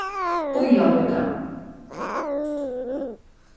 bíða líka